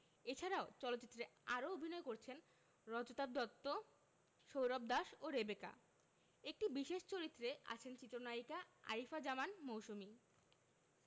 এছাড়াও চলচ্চিত্রে আরও অভিনয় করেছেন রজতাভ দত্ত সৌরভ দাস ও রেবেকা একটি বিশেষ চরিত্রে আছেন চিত্রনায়িকা আরিফা জামান মৌসুমী